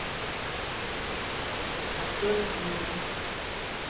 актеры фильма